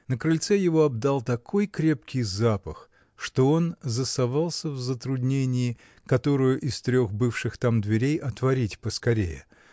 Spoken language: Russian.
На крыльце его обдал такой крепкий запах, что он засовался в затруднении, которую из трех бывших там дверей отворить поскорее.